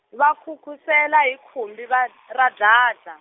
va nkhunkhusela hi khumbi va, ra dladla.